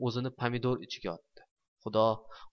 o'zini pomidor ichiga otdi